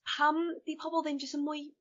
pam 'di pobol ddim jyst yn mwy